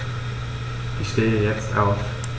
Ich stehe jetzt auf.